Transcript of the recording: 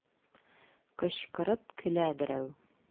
Кычкырып көлә берәү.